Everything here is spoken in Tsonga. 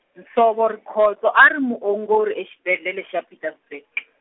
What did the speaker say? Nsovo Rikhotso a ri muongori exibedlele xa Pietersburg.